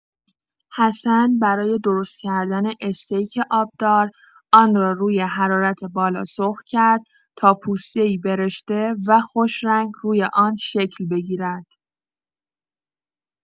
حسن برای درست‌کردن استیک آبدار، آن را روی حرارت بالا سرخ کرد تا پوسته‌ای برشته و خوش‌رنگ روی آن شکل بگیرد.